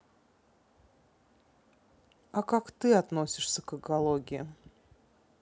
а как ты относишься к экологии